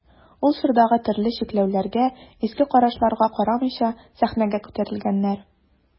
Ул чордагы төрле чикләүләргә, иске карашларга карамыйча сәхнәгә күтәрелгәннәр.